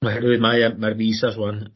oherwydd mae yym mae'r visas rŵan